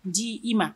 Di i ma